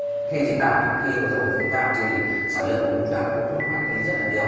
khi dịch tả châu phi vừa rồi diễn ra thì sản lượng của chúng ta cũng mất mát đi rất là nhiều